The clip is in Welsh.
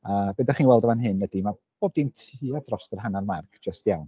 A be dach chi'n weld yn fan hyn ydy ma' bob dim tua dros yr hanner marc jyst iawn.